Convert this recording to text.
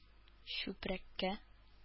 Чүпрәккә